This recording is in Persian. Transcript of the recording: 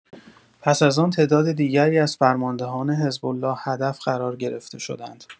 پس از آن تعداد دیگری از فرماندهان حزب‌الله هدف قرار گرفته شدند.